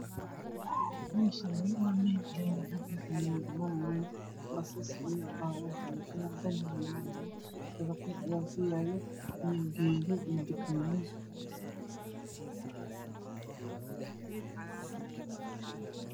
Meeshaani waa meel laami basas baabur dabaqyo ku yaala